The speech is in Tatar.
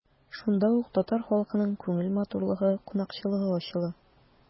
Шунда ук татар халкының күңел матурлыгы, кунакчыллыгы ачыла.